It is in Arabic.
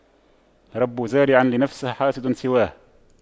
رب زارع لنفسه حاصد سواه